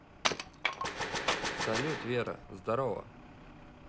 салют вера здорово